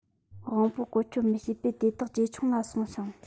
དབང པོ བཀོལ སྤྱོད མི བྱེད པས དེ དག ཇེ ཆུང ལ སོང ཞིང